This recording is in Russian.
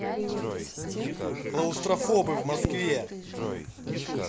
клаустрофобы в москве